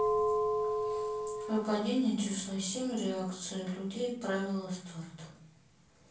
выпадение числа семь реакция людей правила старт